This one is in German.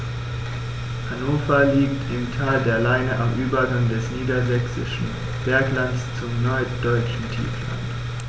Hannover liegt im Tal der Leine am Übergang des Niedersächsischen Berglands zum Norddeutschen Tiefland.